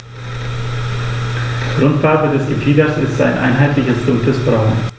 Grundfarbe des Gefieders ist ein einheitliches dunkles Braun.